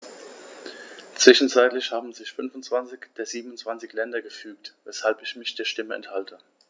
Zwischenzeitlich haben sich 25 der 27 Länder gefügt, weshalb ich mich der Stimme enthalte.